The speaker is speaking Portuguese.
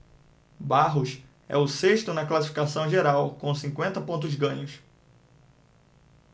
barros é o sexto na classificação geral com cinquenta pontos ganhos